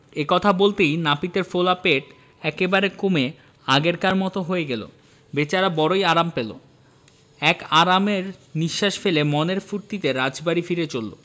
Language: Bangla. এই কথা বলতেই নাপিতের ফোলা পেট একেবারে কমে আগেকার মতো হয়ে গেল বেচারা বড়োই আরাম পেল এক আরামের নিঃশ্বাস ফেলে মনের ফুর্তিতে রাজবাড়িতে ফিরে চলল